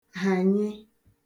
hànye